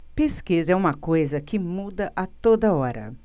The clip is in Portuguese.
pesquisa é uma coisa que muda a toda hora